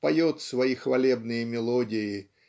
поет свои хвалебные мелодии